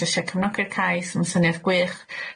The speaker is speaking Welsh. jyst isio cefnogi'r cais ma'n syniad gwych dwi'n defnyddio'r